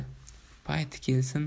payti kelsin